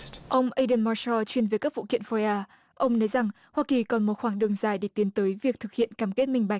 ông ây đừm môi sa chuyên về các phụ kiện phôi a ông nói rằng hoa kỳ cần một khoảng đường dài để tiến tới việc thực hiện cam kết minh bạch